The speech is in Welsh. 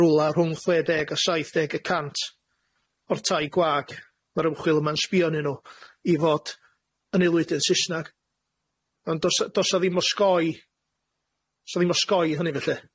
rwla rhwng chwe deg a saith deg y cant o'r tai gwag ma'r ymchwil yma'n sbio ynnyn nw i fod yn aelwydydd Sysnag ond do's o do's o ddim osgoi sa ddim osgoi hynny felly.